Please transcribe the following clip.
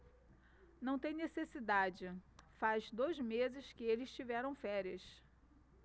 não tem necessidade faz dois meses que eles tiveram férias